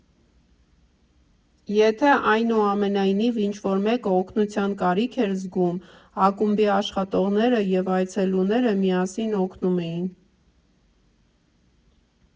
Եթե, այնուամենայնիվ, ինչ֊որ մեկը օգնության կարիք էր զգում, ակումբի աշխատողները և այցելուները միասին օգնում էին։